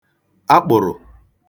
akpụ̀rụ̀